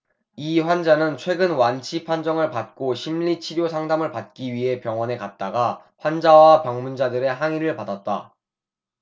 이 환자는 최근 완치 판정을 받고 심리 치료 상담을 받기 위해 병원에 갔다가 환자와 방문자들의 항의를 받았다